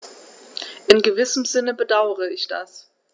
In gewissem Sinne bedauere ich das.